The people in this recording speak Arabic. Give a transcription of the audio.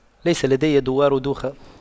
ليس لدي دوار ودوخة